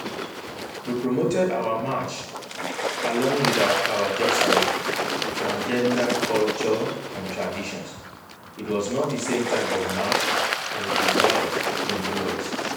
We promoted our march along with our KhawajaSara (transgender) culture and traditions it was not the same type of march as it is held in US.